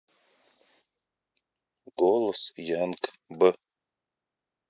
голос янг б